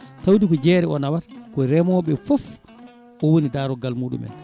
tawde ko jeere o nawata ko remoɓe foof o woni daroggal muɗumen